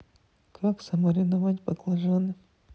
как замариновать баклажаны